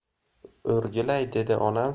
o'rgilay dedi onam